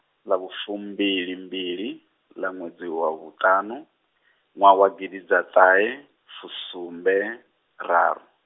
ḽa vhu fumbilimbili, ḽa ṅwedzi wa vhu ṱanu, ṅwaha wa gidiḓaṱahefusumberaru.